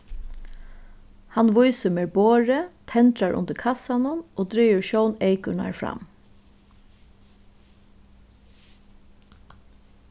hann vísir mær borðið tendrar undir kassanum og dregur sjóneykurnar fram